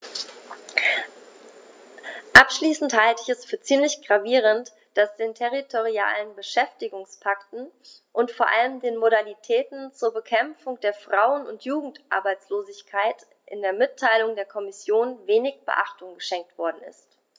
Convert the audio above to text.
Abschließend halte ich es für ziemlich gravierend, dass den territorialen Beschäftigungspakten und vor allem den Modalitäten zur Bekämpfung der Frauen- und Jugendarbeitslosigkeit in der Mitteilung der Kommission wenig Beachtung geschenkt worden ist.